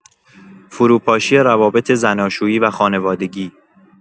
فروپاشی روابط زناشویی و خانوادگی